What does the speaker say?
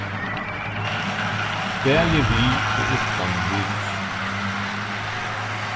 bæði við og uttan virus